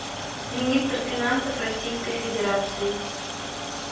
министр финансов российской федерации